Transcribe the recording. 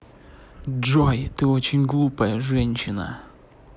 джой ты очень глупая женщина